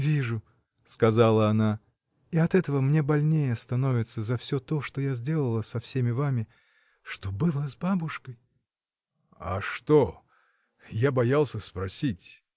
— Вижу, — сказала она, — и от этого мне больнее становится за всё то, что я сделала со всеми вами. Что было с бабушкой! — А что? я боялся спросить.